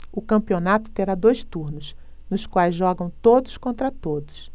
o campeonato terá dois turnos nos quais jogam todos contra todos